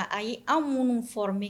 A ye an minnu former